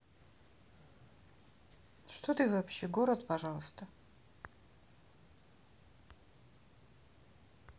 что ты вообще город пожалуйста